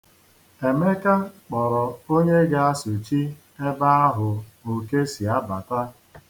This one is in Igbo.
Emeka kpọrọ onye ga-asuchi ebe ahu oke si abata.